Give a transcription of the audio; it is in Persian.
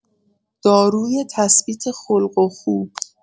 داروی تثبیت خلق و خو